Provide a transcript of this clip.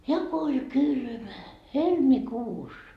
ja kun oli kylmä helmikuussa